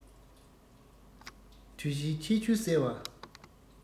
དུས བཞིའི ཁྱད ཆོས གསལ བ